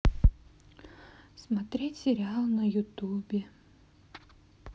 смотреть сериал на ютубе